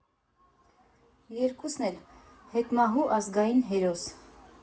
Երկուսն էլ՝ հետմահու ազգային հերոս։